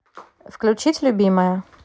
включить любимая